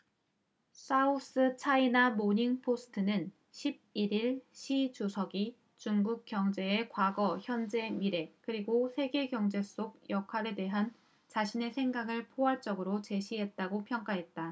사우스차이나모닝포스트는 십 일 일 시 주석이 중국 경제의 과거 현재 미래 그리고 세계경제 속 역할에 대한 자신의 생각을 포괄적으로 제시했다고 평가했다